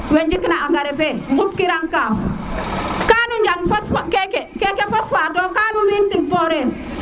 we njik na engrais fe xum ki rang kaaf ka nu njang fosfa keke keke fosfade to ka nu mbi in tig poreeer